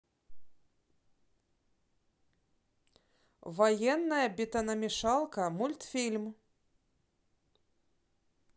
военная бетономешалка мультфильм